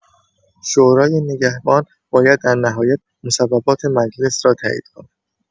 شورای نگهبان باید در نهایت مصوبات مجلس را تایید کند.